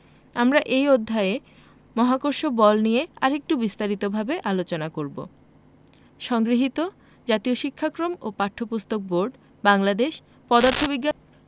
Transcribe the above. আমরা এই অধ্যায়ে মহাকর্ষ বল নিয়ে আরেকটু বিস্তারিতভাবে আলোচনা করব সংগৃহীত জাতীয় শিক্ষাক্রম ওপাঠ্যপুস্তক বোর্ড বাংলাদেশ পদার্থ বিজ্ঞান